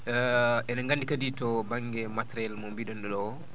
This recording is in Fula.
eɗen nganndi kadi to baŋnge matériel mo biɗen ɗo o